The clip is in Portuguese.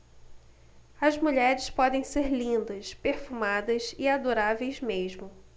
as mulheres podem ser lindas perfumadas e adoráveis mesmo